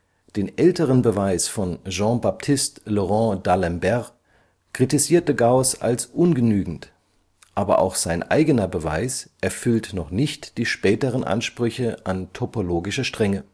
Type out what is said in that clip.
Den älteren Beweis von Jean-Baptiste le Rond d’ Alembert kritisierte Gauß als ungenügend, aber auch sein eigener Beweis erfüllt noch nicht die späteren Ansprüche an topologische Strenge